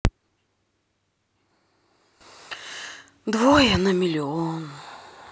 двое на миллион